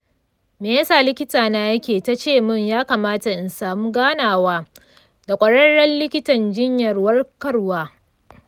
me ya sa likita na yake ta ce min ya kamata in samu ganawa da ƙwararren likitan jinyar warkarwa?